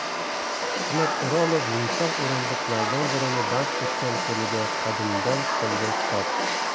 hikmat o'rolov yumshoq o'rindiqlardan birini band etgan qo'lida qadimdan qolgan kitob